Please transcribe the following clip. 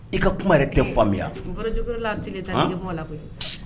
I ka kuma yɛrɛ tɛ faamuyayaj tigi taa' la koyi